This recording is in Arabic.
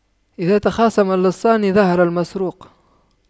إذا تخاصم اللصان ظهر المسروق